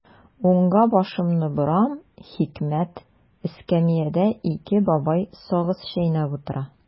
Уңга башымны борам– хикмәт: эскәмиядә ике бабай сагыз чәйнәп утыра.